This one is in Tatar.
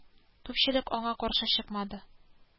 Күпчелек аңа каршы чыкмады